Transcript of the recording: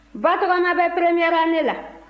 batɔgɔma bɛ 1 annee la